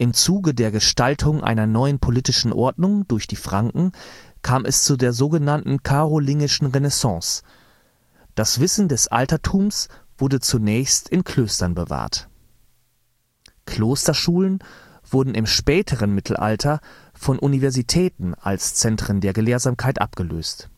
Zuge der Gestaltung einer neuen politischen Ordnung durch die Franken kam es zu der sogenannten karolingischen Renaissance. Das Wissen des Altertums wurde zunächst in Klöstern bewahrt. Klosterschulen wurden im späteren Mittelalter von Universitäten als Zentren der Gelehrsamkeit abgelöst